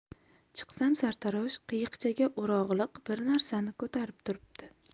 chiqsam sartarosh qiyiqchaga o'rog'liq bir narsani ko'tarib turibdi